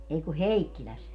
ei kun Heikkilässä